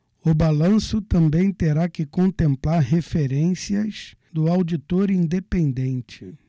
o balanço também terá que contemplar referências do auditor independente